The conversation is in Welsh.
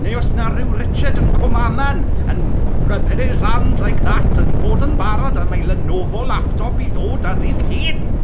Neu os 'na ryw Richard yn Cwmaman yn rubbin' his hands like that yn bod yn barod am ei Lenovo laptop i ddod ar Dydd Llun